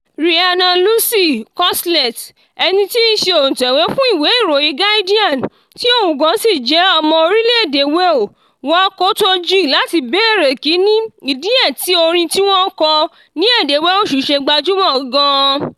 Rhiannon Lucy Cosslett, ẹni tí í ṣe ọ̀ǹtẹ̀wé fún ìwé ìròyìn Guardian tí òun gan-an sì jẹ́ ọmọ orílẹ̀ èdè Wale, wa kòtò jìn láti bèèrè kíni ìdí ẹ̀ tí orin tí wọ́n kọn ní èdè Welsh ṣe gbajúmò gan-an.